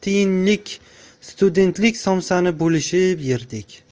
tiyinlik studentlik somsasini bo'lishib yerdik